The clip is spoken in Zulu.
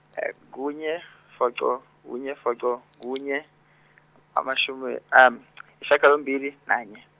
kunye, foco, kunye foco, kunye, amashumi ami, ishaganambili, nanye.